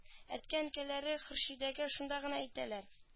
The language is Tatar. Әткә-әнкәләре хөршидәгә шунда гына әйтәләр